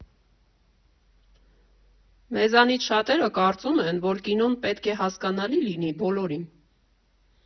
Մեզանից շատերը կարծում են, որ կինոն պետք է հասկանալի լինի բոլորին։